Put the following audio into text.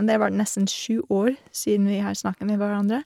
Det var nesten sju år siden vi har snakket med hverandre.